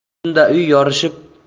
yarim tunda uy yorishib qush